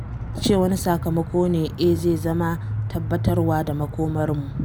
Ya ce wani sakamako na “eh” zai zama tabbatarwa da makomarmu.”